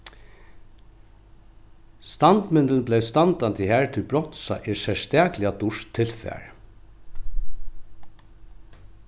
standmyndin bleiv standandi har tí bronsa er serstakliga dýrt tilfar